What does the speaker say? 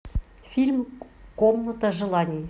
фильм комната желаний